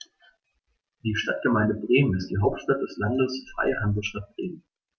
Die Stadtgemeinde Bremen ist die Hauptstadt des Landes Freie Hansestadt Bremen.